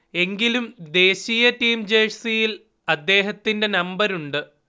എങ്കിലും, ദേശീയ ടീം ജഴ്സിയിൽ അദ്ദേഹത്തിന്റെ നമ്പരുണ്ട്